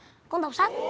con đọc sách